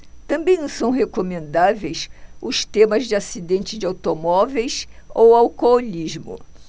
também não são recomendáveis os temas de acidentes de automóveis ou alcoolismo